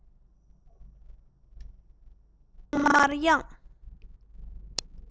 ཐོག མར དབྱངས